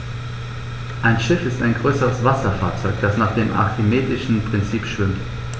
Ein Schiff ist ein größeres Wasserfahrzeug, das nach dem archimedischen Prinzip schwimmt.